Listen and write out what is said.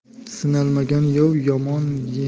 sinalmagan yov yomon